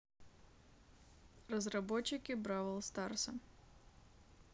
разработчики бравл старса